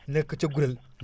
nekk ca gourel